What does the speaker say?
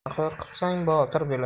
qarg'ani qo'rqitsang botir bo'lar